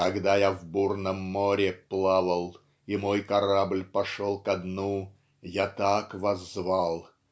Когда я в бурном море плавал И мой корабль пошел ко дну, Я так воззвал